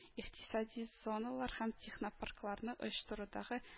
Икътисади зоналар һәм технопаркларны оештырудагы